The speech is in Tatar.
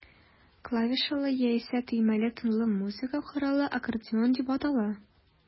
Клавишалы, яисә төймәле тынлы музыка коралы аккордеон дип атала.